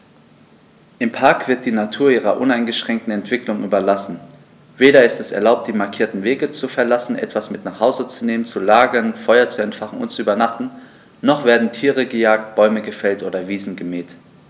Im Park wird die Natur ihrer uneingeschränkten Entwicklung überlassen; weder ist es erlaubt, die markierten Wege zu verlassen, etwas mit nach Hause zu nehmen, zu lagern, Feuer zu entfachen und zu übernachten, noch werden Tiere gejagt, Bäume gefällt oder Wiesen gemäht.